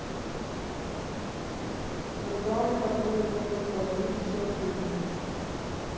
удары которые могут повалить человека